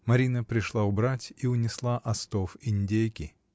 Марина пришла убрать и унесла остов индейки.